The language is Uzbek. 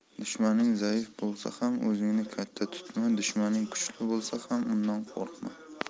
dushmaning zaif bo'lsa ham o'zingni katta tutma dushmaning kuchli bo'lsa ham undan qo'rqma